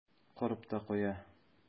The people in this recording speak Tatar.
Корып та куя.